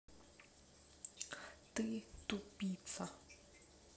ты тупица